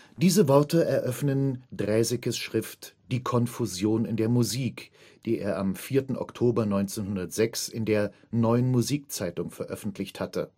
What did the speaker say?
Diese Worte eröffnen Draesekes Schrift Die Konfusion in der Musik, die er am 4. Oktober 1906 in der Neuen Musikzeitung veröffentlicht hatte